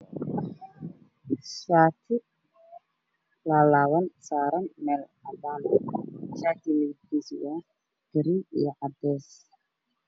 Shaati laalaaban saaran meel cadaan ah shaatiga midabkiisu yahay girii iyo cadays